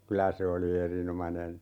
kyllä se oli erinomainen